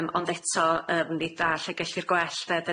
Yym ond eto yym ni da lle gellir gwell de?